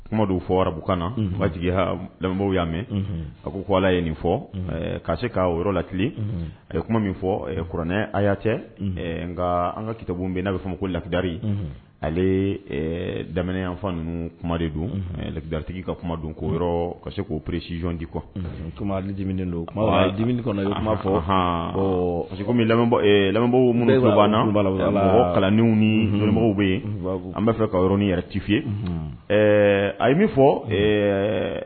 Kuma don fɔ arabukan fabaw y'a mɛn a ko ko ala ye nin fɔ k'a se k ka yɔrɔ latile a ye kuma min fɔ kuranɛ a y'a cɛ nka an ka kitabubɛn n'a' fɔ ko lakidiri ale daminɛyanfan ninnu kuma de don laritigi ka kuma don'o yɔrɔ ka se k'o peresijɔndi kuwami don kumaini kɔnɔ an b'a fɔ hɔn parce que kɔmi minnu' kalaninw nibaw bɛ yen an'a fɛ ka yɔrɔ ni yɛrɛ tiye a ye min fɔ